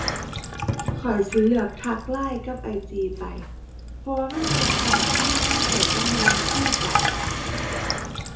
ข้อยสิเลือกทัก LINE กับ IG ไป เพราะว่ามันเป็นช่องทางที่ข้อยกับหมู่คุยกัน